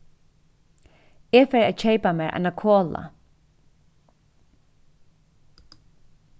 eg fari at keypa mær eina kola